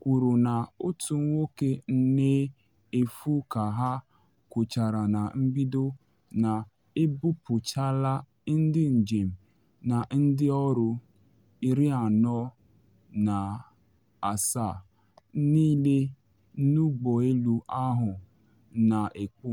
kwuru na otu nwoke na efu, ka ha kwuchara na mbido na ebupuchaala ndị njem na ndị ọrụ 47 niile n’ụgbọ elu ahụ na ekpu.